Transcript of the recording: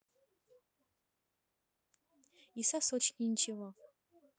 и сосочки ничего